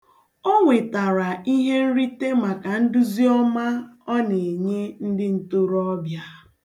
O nwetara ihe nrite maka nduzi ọma ọ na-enye ndị ntoroọbịa.